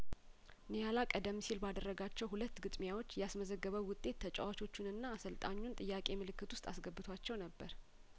ኒያላ ቀደም ሲል ባደረ ጋቸው ሁለት ግጥሚያዎች ያስመዘገበው ውጤት ተጫዋቾቹንና አሰልጣኙን ጥያቄ ምልክት ውስጥ አስገብቷቸው ነበር